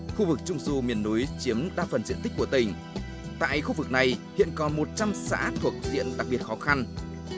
khu vực trung du miền núi chiếm đa phần diện tích của tỉnh tại khu vực này hiện còn một trăm xã thuộc diện đặc biệt khó khăn